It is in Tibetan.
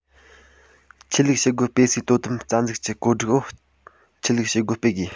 ཆོས ལུགས བྱེད སྒོ སྤེལ སའི དོ དམ རྩ འཛུགས ཀྱི བཀོད སྒྲིག འོག ཆོས ལུགས བྱེད སྒོ སྤེལ དགོས